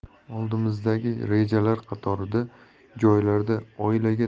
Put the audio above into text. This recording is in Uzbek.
oldimizdagi rejalar qatorida joylarda oilaga